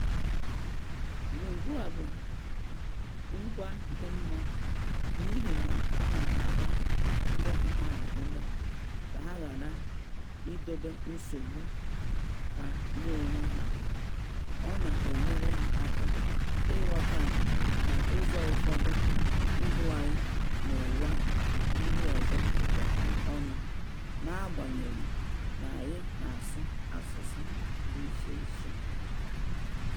Lingua bụ ngwa dị mma n'ihi na ọ na-agba ndị mmadụ ume ka ha ghara idobe nsogbu ha nye onwe ha, ọ na-enyere ha aka ịghọta na n’ụzọ ụfọdụ, ndụ anyị na ụwa ndị ọzọ jikọtara ọnụ, n’agbanyeghị na anyị na-asụ asụsụ dị icheiche.